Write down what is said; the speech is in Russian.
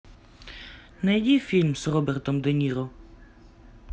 найди фильмы с робертом де ниро